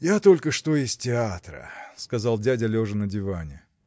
– Я только что из театра, – сказал дядя, лежа на диване.